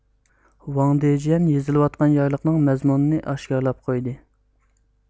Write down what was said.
ۋاڭ دېجيەن يېزىلىۋاتقان يارلىقنىڭ مەزمۇننى ئاشكارلاپ قويدى